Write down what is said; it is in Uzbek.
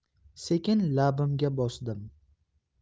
sekin labimga bosdim